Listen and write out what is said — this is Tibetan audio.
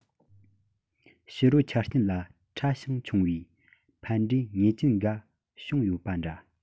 ཕྱི རོལ ཆ རྐྱེན ལ ཕྲ ཞིང ཆུང བའི ཕན འབྲས ངེས ཅན འགའ བྱུང ཡོད པ འདྲ